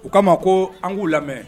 U kama ma ko an k'u lamɛn